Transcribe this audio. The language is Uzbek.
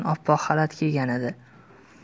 oppoq xalat kiygan edi